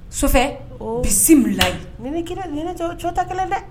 So o bɛ la c tɛ gɛlɛn dɛ